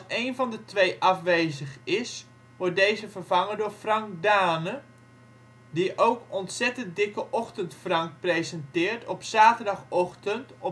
één van de twee afwezig is, wordt deze vervangen door Frank Dane (die ook Ontzettend Dikke Ochtend Frank presenteert op zaterdagochtend